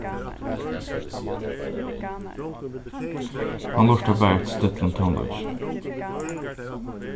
hann lurtar bara eftir stillum tónleiki